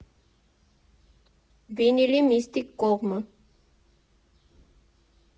Վինիլի միստիկ կողմը։